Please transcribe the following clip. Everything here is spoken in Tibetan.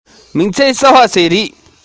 སྙེ མ འཐུ བཞིན འདུག